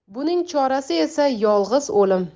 buning chorasi esa yolg'iz o'lim